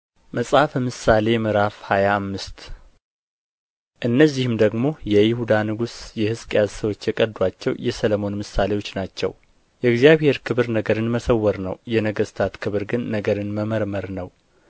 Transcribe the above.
መጽሐፈ ምሳሌ ምዕራፍ ሃያ አምስት እነዚህም ደግሞ የይሁዳ ንጉሥ የሕዝቅያስ ሰዎች የቀዱአቸው የሰሎሞን ምሳሌዎች ናቸው የእግዚአብሔር ክብር ነገርን መሰወር ነው የነገሥታት ክብር ግን ነገርን መመርመር ነው